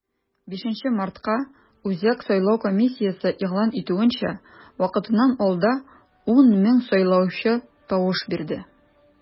5 мартка, үзәк сайлау комиссиясе игълан итүенчә, вакытыннан алда 10 мең сайлаучы тавыш бирде.